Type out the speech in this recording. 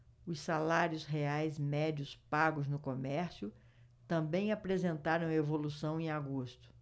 os salários reais médios pagos no comércio também apresentaram evolução em agosto